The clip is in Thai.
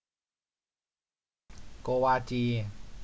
โกวาจี